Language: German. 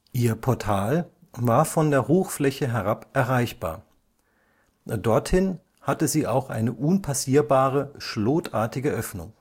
Ihr Portal war von der Hochfläche herab erreichbar. Dorthin hatte sie auch eine unpassierbare schlotartige Öffnung